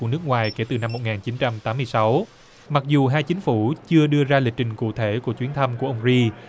của nước ngoài kể từ năm một nghìn chín trăm tám mươi sáu mặc dù hai chính phủ chưa đưa ra lịch trình cụ thể của chuyến thăm của ông ri